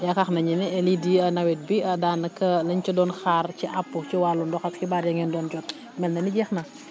wax nañu ne lii di nawet bi daanaka lañ ca doon xaar ci àpp ci wàllu ndox ak xibaar ya ngeen doon jot mel na ni jeex na